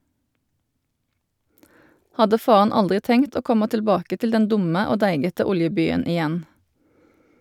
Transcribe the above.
Hadde faen aldri tenkt å komma tilbake til den dumme og deigete oljebyen igjen.